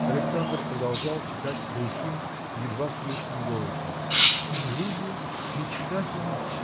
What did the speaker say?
Александр продолжал читать глухим, едва слышным голосом Самолюбие мечтательность